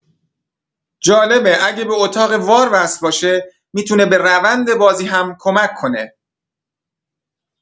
جالبه اگه به اتاق وار وصل باشه می‌تونه به روند بازی هم کمک کنه.